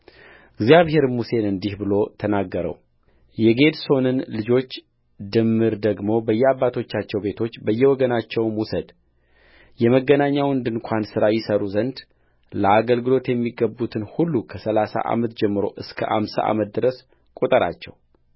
እግዚአብሔርም ሙሴን እንዲህ ብሎ ተናገረውየጌድሶንን ልጆች ድምር ደግሞ በየአባቶቻቸው ቤቶች በየወገኖቻቸውም ውሰድየመገናኛውን ድንኳን ሥራ ይሠሩ ዘንድ ለአገልግሎት የሚገቡትን ሁሉ ከሠላሳ ዓመት ጀምሮ እስከ አምሳ ዓመት ድረስ ቍጠራቸው